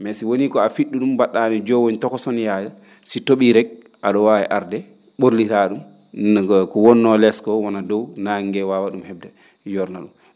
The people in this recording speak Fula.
mais si wonii ko a fi??u ?um mba??aa nii joowoñ tokosoñ yaade si to?ii rek a?o waawi arde ?orliraa ?um ko wonnoo lees koo wona dow nannge ngee waawa ?um he?de yoorna ?um